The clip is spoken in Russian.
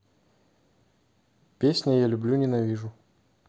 песня я люблю ненавижу